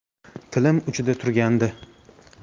tilim uchida turgandi